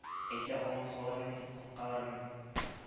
Әйтә алмый калырмын дип куркалармы